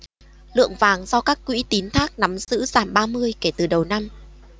lượng vàng do các quỹ tín thác nắm giữ giảm ba mươi kể từ đầu năm